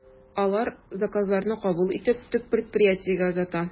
Алар заказларны кабул итеп, төп предприятиегә озата.